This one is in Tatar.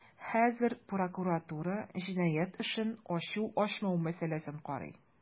Хәзер прокуратура җинаять эшен ачу-ачмау мәсьәләсен карый.